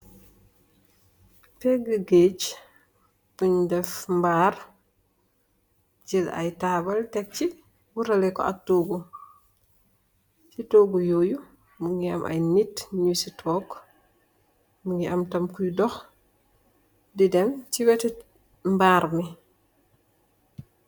Peegë geege, buñge def mbaar, jël ay taabul wëerële ko ak toogu. Ci toogu yoo yu, mu ngi am ay nit yu si toog, mu ngi am tam am kuy dox di dem ci weeti mbaar mi